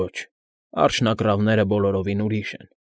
Ոչ, արջնագռավները բոլորովին ուրիշ են։